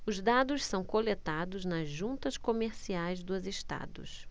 os dados são coletados nas juntas comerciais dos estados